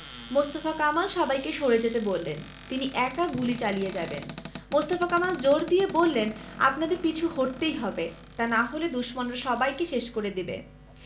মোস্তফা কামাল সবাইকে সরে যেতে বললেন তিনি একা গুলি চালিয়ে যাবেন মোস্তফা কামাল জোর দিয়ে বললেন আপনাদের পিছু হটতেই হবে তা না হলে দুশমনরা সবাইকে শেষ করে দেবে